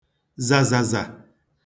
zàzàzà